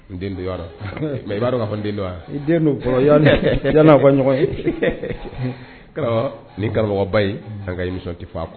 Den do, i b'a don wa mais i b'ado ka fɔ den don wa? i den don, sani a ka ɲɔgɔn ye , n den , karamɔgɔ nin Karaamɔgba in an ka emission tɛ fɔ a kɔ.